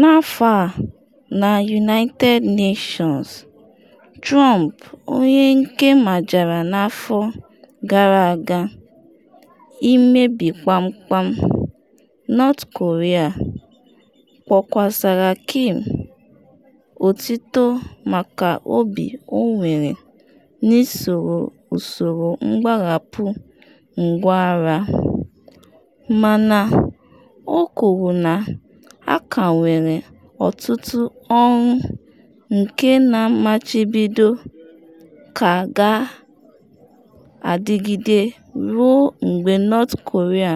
N’afọ a na United Nations, Trump onye nke majara n’afọ gara aga “imebi kpam kpam” North Korea, kpokwasara Kim otito maka obi ọ nwere n’isoro usoro mgbarapụ ngwa agha, mana o kwuru na a ka nwere ọtụtụ ọrụ nke na mmachibido ka ga-adịgide ruo mgbe North Korea